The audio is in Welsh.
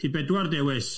Ti bedwar dewis.